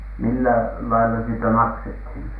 millä lailla siitä maksettiin